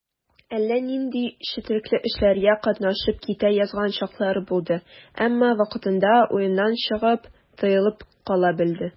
Әллә нинди четрекле эшләргә катнашып китә язган чаклары булды, әмма вакытында уеннан чыгып, тыелып кала белде.